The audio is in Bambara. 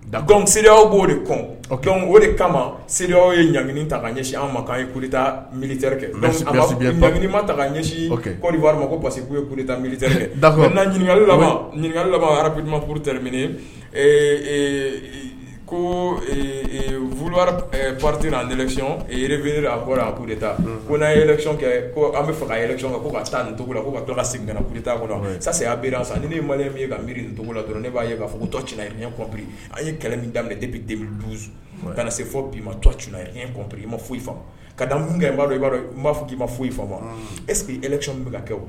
C seliere b'o de o de kama seliereya ye ɲg ta ka ɲɛsin an maan ye kuta milire kɛ bangegma ta ɲɛɔri'a ma ko basi yeta mili ɲininkaka ɲininkaka arabima ptɛre ko particviri a a de ta ko n'a ye yɛlɛcɔn kɛ ko an bɛ fanga yɛlɛcɔn ko ka taa nin cogo la ko' ka p kɔnɔ sa sayara sisan ni ma min ka miiriri nin la dɔrɔn ne b'a k'a fɔ tɔ c ɲɛ kɔnpri an ye kɛlɛ min daminɛ de bɛ den kana na se fɔ' ma tɔ can ye kɔnp i ma foyi ka da munkɛ b'a i'a n b'a fɔ k ii ma foyi i fa ma eseke ecɔn bɛ kɛ wa